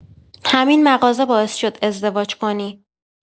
همین مغازه باعث شد ازدواج کنی.